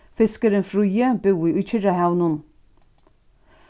fiskurin fríði búði í kyrrahavinum